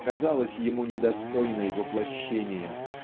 показалась ему недостойной воплощения.